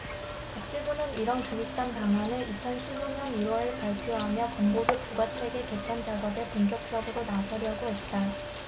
복지부는 이런 기획단 방안을 이천 십 오 년 일 월 발표하며 건보료 부과체계 개편작업에 본격적으로 나서려고 했다